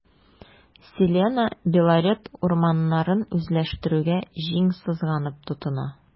“селена” белорет урманнарын үзләштерүгә җиң сызганып тотына.